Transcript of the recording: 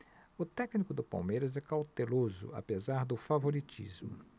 o técnico do palmeiras é cauteloso apesar do favoritismo